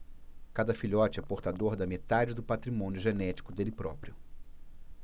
cada filhote é portador da metade do patrimônio genético dele próprio